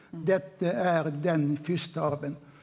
dette er den fyrste arven.